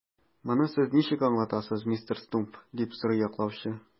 Моны сез ничек аңлатасыз, мистер Стумп? - дип сорый яклаучы.